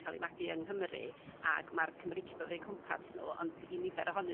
cael eu magu yng Nghymru ag mae'r Cymreictod o'u cwmpas n'w ond i nifer ohonyn